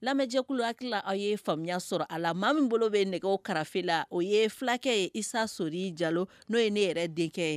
Lamɛnjɛkulu ha hakilikila aw ye faamuyaya sɔrɔ a la maa min bolo bɛ nɛgɛ karafe la o ye fulakɛ ye isa so i jalo n'o ye ne yɛrɛ denkɛ ye